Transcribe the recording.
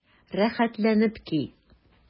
Рәхәтләнеп ки!